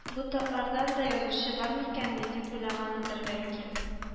Бу татлардан да язучылар бар микәнни?» дип уйлагандыр бәлки